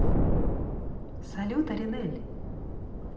салют аринэль